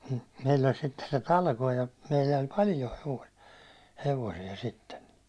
meillä oli sitten se talkoot ja meillä oli paljon - hevosia sitten